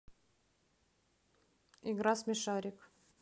игра смешарик